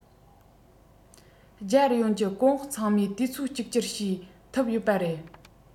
རྒྱལ ཡོངས ཀྱི གོང འོག ཚང མས དུས ཚོད གཅིག གྱུར བྱས ཐུབ ཡོད པ རེད